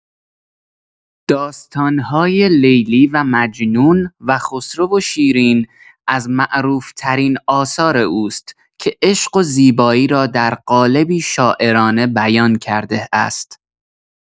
داستان‌های «لیلی و مجنون» و «خسرو و شیرین» از معروف‌ترین آثار اوست که عشق و زیبایی را در قالبی شاعرانه بیان کرده است.